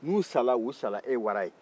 n'u sara u sara e ye wara